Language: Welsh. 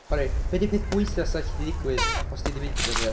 Oherwydd, be 'di'r peth gwaetha 'sa 'di gallu digwydd os ti 'di mynd i Brasil?